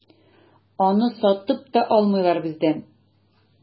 Аны сатып та алмыйлар бездән.